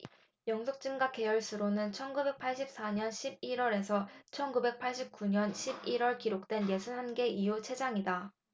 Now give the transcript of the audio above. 연속 증가 개월 수로는 천 구백 팔십 사 년 십 일 월 에서 천 구백 팔십 구 년 십 일 월 기록된 예순 한 개월 이후 최장이다